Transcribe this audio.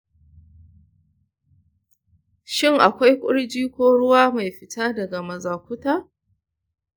shin akwai kurji ko ruwa mai fita daga mazaƙuta?